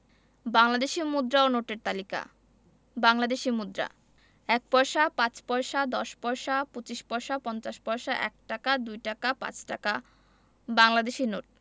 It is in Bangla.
বাংলাদেশি মুদ্রা ও নোটের তালিকাঃ বাংলাদেশি মুদ্রাঃ ১ পয়সা ৫ পয়সা ১০ পয়সা ২৫ পয়সা ৫০ পয়সা ১ টাকা ২ টাকা ৫ টাকা বাংলাদেশি নোটঃ